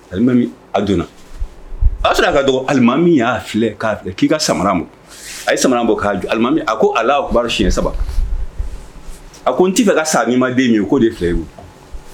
Limami a donna a taara ka alimami y'a k k'i ka samara ma ayi ye sama bɔ k'alimami a ko ala kibaru siɲɛ saba a ko n t tɛi ka ka sa min ma den ye ko de filɛ